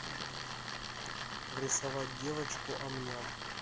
рисовать девочку амням